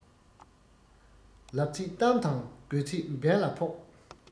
ལབ ཚད གཏམ དང དགོས ཚད འབེན ལ ཕོག